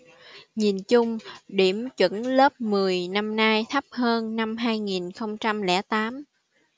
nhìn chung điểm chuẩn lớp mười năm nay thấp hơn năm hai nghìn không trăm lẻ tám